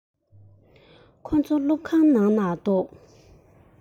ཁོ ཚོ སློབ ཁང ནང ལ འདུག